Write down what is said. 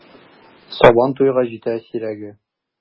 Сабан туйга җитә сирәге!